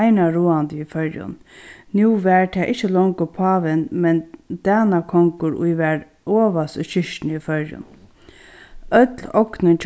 einaráðandi í føroyum nú var tað ikki longur pávin men danakongur ið var ovast í kirkjuni í føroyum øll ognin